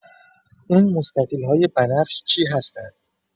این مستطیل‌های بنفش چی هستند؟